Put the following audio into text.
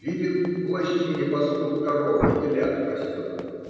видит, в лощине пастух коров и телят пасет.